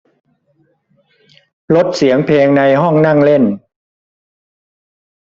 ลดเสียงเพลงในห้องนั่งเล่น